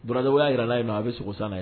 Bara yyaa yɛrɛ n' yen nɔ a bɛ sogo san ye